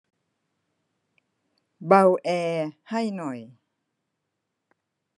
เบาแอร์ให้หน่อย